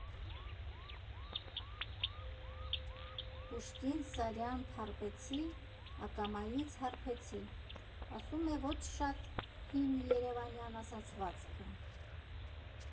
«Պուշկին֊Սարյան֊Փարպեցի՝ ակամայից հարբեցի», ասում է ոչ շատ հին երևանյան ասացվածքը։